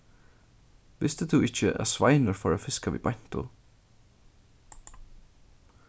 visti tú ikki at sveinur fór at fiska við beintu